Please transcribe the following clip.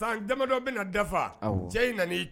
San damadɔ bena dafa awɔ cɛ in nan'i